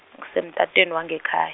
-semtatweni wangekhaya.